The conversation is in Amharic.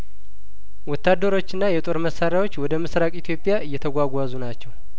ወታደሮችና የጦር መሳሪያዎች ወደ ምስራቅ ኢትዮጵያ እየተጓጓዙ ናቸው